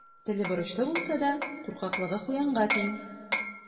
Теле борычлы булса да, куркаклыгы куянга тиң.